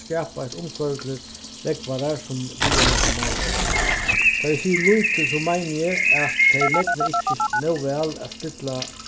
skapa eitt umhvørvi til rógvarar sum vilja nakað meira tá eg sigi lítil so meini eg at tey megna ikki nóg væl at stilla